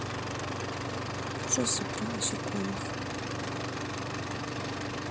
ужасы про насекомых